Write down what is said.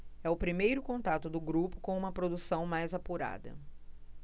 é o primeiro contato do grupo com uma produção mais apurada